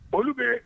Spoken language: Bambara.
Olu bɛ